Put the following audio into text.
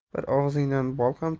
bir og'izdan bol